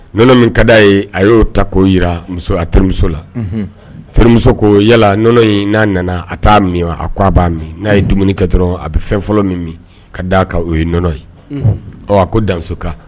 Nɔnɔ min ka d di aa ye a y'o ta k'o jira muso a terimuso lamuso ko yala nɔnɔ in n'a nana a' min a k ko aa b'a min n'a ye dumuni kɛ dɔrɔn a bɛ fɛn fɔlɔ min ka da kan o ye nɔnɔ ye ɔ a ko dan kan